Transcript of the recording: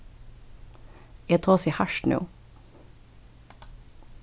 eg tosi hart nú